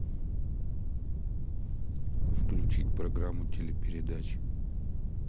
включить программу телепередач